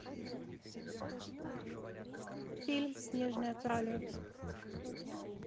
фильм снежная королева